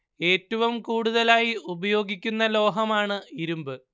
ഏറ്റവും കൂടുതലായി ഉപയോഗിക്കുന്ന ലോഹമാണ് ഇരുമ്പ്